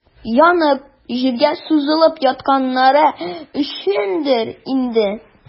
Янып, җиргә сузылып ятканнары өчендер инде.